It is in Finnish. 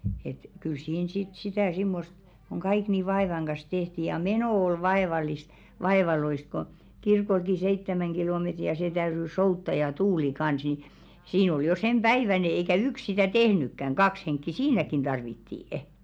että kyllä siinä sitten sitä semmoista kun kaikki niin vaivan kanssa tehtiin ja meno oli vaivallista vaivalloista kun kirkollekin seitsemän kilometriä ja se täytyi soutaa ja tuuli kanssa niin siinä oli jo senpäiväinen eikä yksi sitä tehnytkään kaksi henkeä siinäkin tarvittiin